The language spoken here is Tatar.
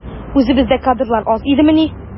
Үзебездә кадрлар аз идемени?